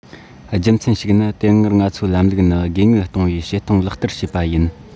རྒྱུ མཚན ཞིག ནི དེ སྔར ང ཚོའི ལམ ལུགས ནི དགོས དངུལ གཏོང བའི བྱེད སྟངས ལག བསྟར བྱེད པ ཡིན པ